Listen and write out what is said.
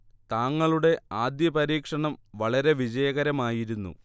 താങ്ങളുടെ ആദ്യ പരീക്ഷണം വളരെ വിജയകരമായിരുന്നു